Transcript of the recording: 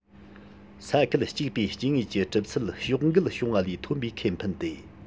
ས ཁུལ གཅིག པའི སྐྱེ དངོས ཀྱི གྲུབ ཚུལ ཕྱོགས འགལ བྱུང བ ལས ཐོན པའི ཁེ ཕན དེ